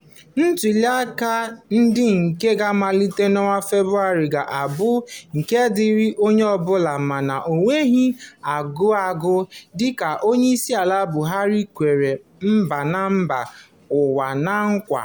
Ntụliaka ndị nke ga-amalite n'ọnwa Febụwarị ga-abụ nke dịịrị onye ọbụla ma na-enweghị aghụghọ dịka Onyeisiala Buhari kwere mba na mba ụwa na nkwa.